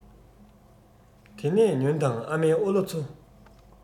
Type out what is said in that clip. དེ ནས ཉོན དང ཨ མའི ཨོ ལོ ཚོ